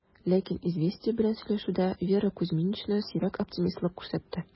Ләкин "Известия" белән сөйләшүдә Вера Кузьминична сирәк оптимистлык күрсәтте: